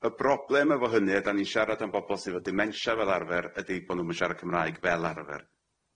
Y broblem efo hynny ydan ni'n siarad am bobol sy efo dementia fel arfer ydi bo' nw'm yn siarad Cymraeg fel arfer.